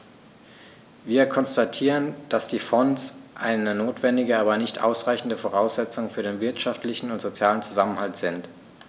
Wir konstatieren, dass die Fonds eine notwendige, aber nicht ausreichende Voraussetzung für den wirtschaftlichen und sozialen Zusammenhalt sind.